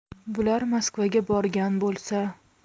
bular maskovga borgan bo'lsa